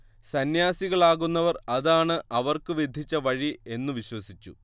സന്യാസികളാകുന്നവർ അതാണ് അവർക്കു വിധിച്ച വഴി എന്നു വിശ്വസിച്ചു